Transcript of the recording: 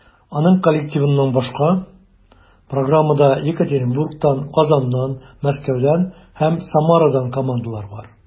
Аның коллективыннан башка, программада Екатеринбургтан, Казаннан, Мәскәүдән һәм Самарадан командалар бар.